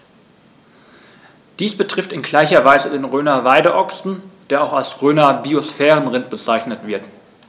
Dies betrifft in gleicher Weise den Rhöner Weideochsen, der auch als Rhöner Biosphärenrind bezeichnet wird.